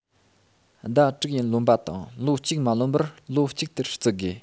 ཟླ དྲུག ཡན ལོན པ དང ལོ གཅིག མ ལོན པར ལོ གཅིག ལྟར བརྩི དགོས